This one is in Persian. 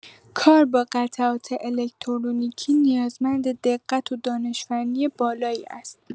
کار با قطعات الکترونیکی نیازمند دقت و دانش فنی بالایی است.